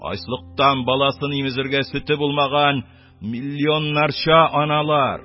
Ачлыктан баласын имезергә сөте булмаган миллионнарча аналар,